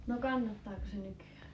no kannattaako se nykyään